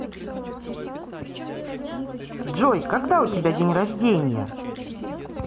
джой когда у тебя день рождения